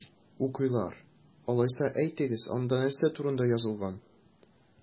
Укыйлар! Алайса, әйтегез, анда нәрсә турында язылган?